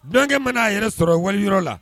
Dunankɛ mana n'a yɛrɛ sɔrɔ wali yɔrɔ la.